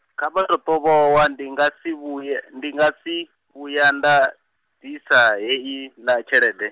kha vha ṱovhowa ndi nga si vhuye, ndi nga si, vhuya nda, ḓisa, he iḽa tshelede.